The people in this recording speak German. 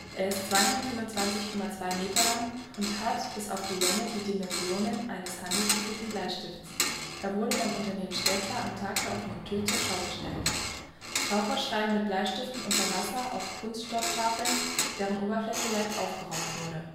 Er ist 225,2 Meter lang und hat bis auf die Länge die Dimensionen eines handelsüblichen Bleistifts. Er wurde beim Unternehmen Staedtler am Tag der offenen Tür zur Schau gestellt. Taucher schreiben mit Bleistiften unter Wasser auf Kunststofftafeln, deren Oberfläche leicht aufgeraut wurde